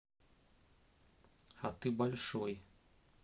а ты большой